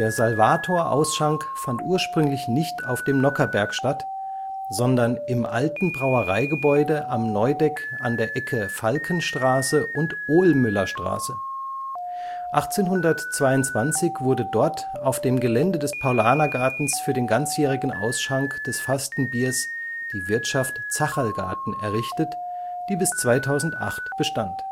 Salvator-Ausschank fand ursprünglich nicht auf dem Nockherberg statt, sondern im alten Brauereigebäude am Neudeck an der Ecke Falkenstraße und Ohlmüllerstraße. 1822 wurde dort auf dem Gelände des Paulanergartens für den ganzjährigen Ausschank des „ Fastenbiers “die Wirtschaft Zacherlgarten errichtet, die bis 2008 bestand